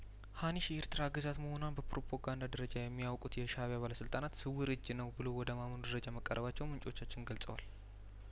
ሀኒሽ የኤርትራ ግዛት መሆኗን በፕሮፖጋንዳ ደረጃ የሚያውቁት የሻእቢያ ባለስልጣናት ስውር እጅ ነው ብሎ ወደ ማመኑ ደረጃ መቃረባቸውን ምንጮቻችን ገልጸውልናል